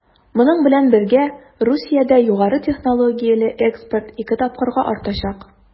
Моның белән бергә Русиядә югары технологияле экспорт 2 тапкырга артачак.